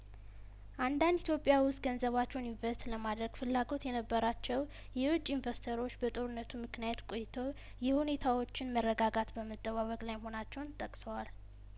አንዳንድ ኢትዮጵያ ውስጥ ገንዘባቸውን ኢንቬስት ለማድረግ ፍላጐት የነበራቸው የውጪ ኢንቬስተሮች በጦርነቱ ምክንያት ቆይተው የሁኔታዎችን መረጋጋት በመጠባበቅ ላይ መሆናቸውን ጠቅሰዋል